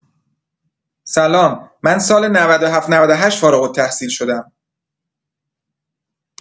سلام من سال ۹۷ - ۹۸ فارغ‌التحصیل شدم.